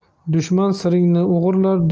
dushman siringni o'g'irlar